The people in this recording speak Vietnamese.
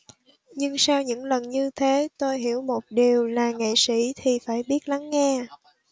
nhưng sau những lần như thế tôi hiểu một điều là nghệ sĩ thì phải biết lắng nghe